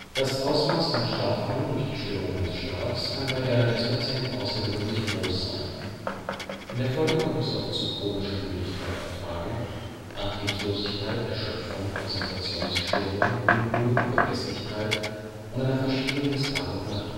Das Ausmaß an Schlafmangel durch die Störungen des Schlafs kann bei RLS-Patienten außergewöhnlich groß sein. In der Folge kommt es oft zu chronischer Müdigkeit am Tage, Antriebslosigkeit, Erschöpfung, Konzentrationsstörungen, Unruhe, Vergesslichkeit und einer Verschiebung des Tag-und-Nacht-Rhythmus